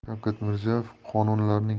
shavkat mirziyoyev qonunlarning